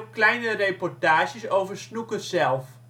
kleine reportages over snooker zelf